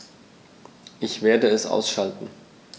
Ich werde es ausschalten